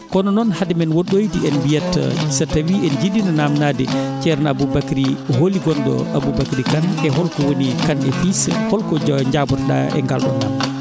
kono noon hade men woɗɗoyde en mbiyat so tawii en njiɗii namdade ceerno Aboubacry holi gonɗo Aboubacry Kane e holko woni Kane et fils holko njaabotoɗaa e ngal naamndal